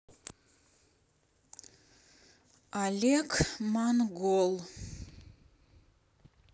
олег монгол